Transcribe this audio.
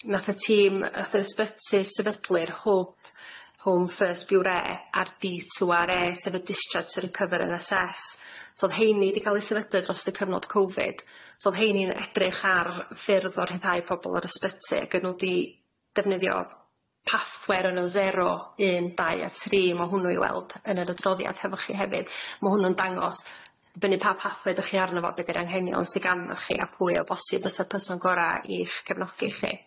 nath y tîm nath'r ysbyty sefydlu'r hwb home first biwre a'r Di two Ar E sef y discharge to recover and assess so'dd heini di ca'l eu sefydlu drost y cyfnod Covid so'dd heini'n edrych ar ffyrdd o ryddhau pobol yr ysbyty ag o'n nw di defnyddio pathwê o'r enw sero un dau a tri ma' hwnnw i weld yn yr adroddiad hefo chi hefyd ma' hwnnw'n dangos fyny pa pathwê dych chi arno fo be' dy'r anghenion sy ganddoch chi a pwy o bosib fysa person gora' i'ch cefnogi chi.